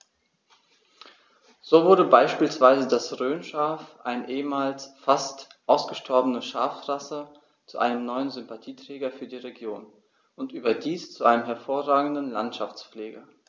So wurde beispielsweise das Rhönschaf, eine ehemals fast ausgestorbene Schafrasse, zu einem neuen Sympathieträger für die Region – und überdies zu einem hervorragenden Landschaftspfleger.